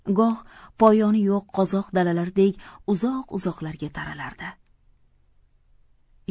goh poyoni yo'q qozoq dalalaridek uzoq uzoqlarga taralardi